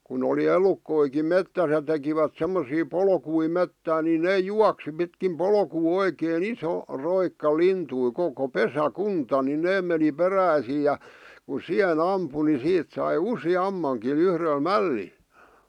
kun oli elukoitakin metsässä ja tekivät semmoisia polkuja metsään niin ne juoksi pitkin polkua oikein iso roikka lintuja koko pesäkunta niin ne meni peräisin ja kun siihen ampui niin siitä sai useammankin yhdellä mällillä